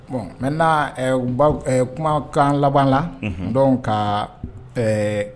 Bon maintenant ɛɛɛ b'a u, ɛ kuma kan laban la, unhun donc ka ɛɛɛ